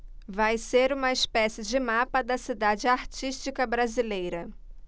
vai ser uma espécie de mapa da cidade artística brasileira